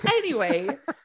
Anyway .